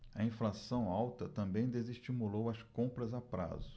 a inflação alta também desestimulou as compras a prazo